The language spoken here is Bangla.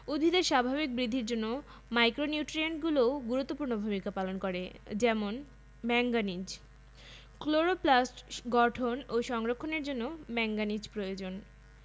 ম্যাংগানিজ মোলিবডেনাম বোরন তামা বা কপার এবং ক্লোরিন ৫.১.১ পুষ্টি উপাদানের উৎস এবং ভূমিকা পুষ্টি উপাদানের উৎস